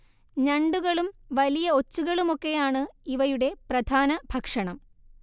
ഞണ്ടുകളും വലിയ ഒച്ചുകളുമൊക്കെയാണ് ഇവയുടെ പ്രധാന ഭക്ഷണം